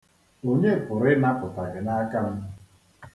Onye pụrụ ịnapụta gị n'aka m.